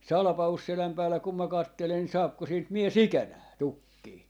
Salpausselän päällä kun minä katselen niin saako siitä mies ikänään tukkia